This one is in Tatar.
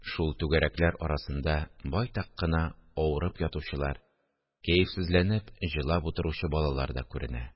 Шул түгәрәкләр арасында байтак кына авырып ятучылар, кәефсезләнеп җылап утыручы балалар да күренә